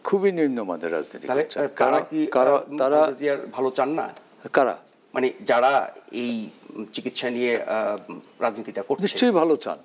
খুবই নিম্নমানের রাজনীতি করছেন কারণ তারা কি খালেদা জিয়ার ভালো চান না কারা মানে যারা এই চিকিৎসা নিয়ে রাজনীতিটা করছেন নিশ্চয়ই ভালো চান